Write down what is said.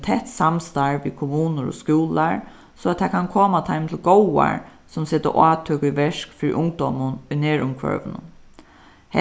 tætt samstarv við kommunur og skúlar so at tað kann koma teimum til góðar sum seta átøk í verk fyri ungdómin í nærumhvørvinum